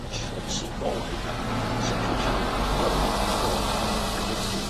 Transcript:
enillion symbolaidd 'na sy'n ca'l pawb gorfodi bod pawb i gynhyrchu